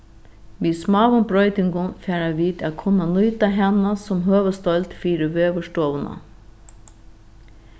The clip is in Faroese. við smáum broytingum fara vit at kunna nýta hana sum høvuðsdeild fyri veðurstovuna